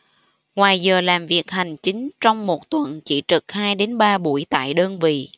ngoài giờ làm việc hành chính trong một tuần chị trực hai đến ba buổi tại đơn vị